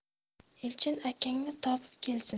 elchin akangni topib kelsin